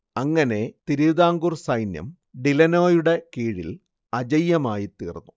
അങ്ങനെ തിരുവിതാംകൂർ സൈന്യം ഡിലനോയുടെ കീഴിൽ അജയ്യമായിത്തീർന്നു